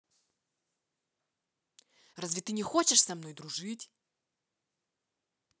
разве ты не хочет со мной дружить